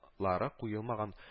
Лары куелмаган